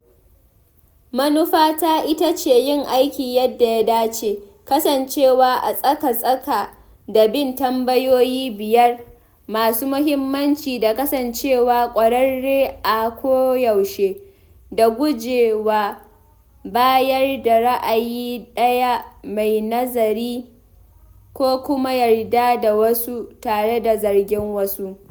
Manufata ita ce yin aikin yadda ya dace: kasancewa a tsaka-tsaki da bin tambayoyi biyar masu muhimmanci da kasancewa ƙwararre a koyaushe da guje wa bayar da ra'ayi ɗaya mai nazari ko kuma yarda da wasu tare da zargin wasu.